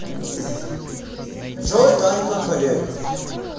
джой танька хорек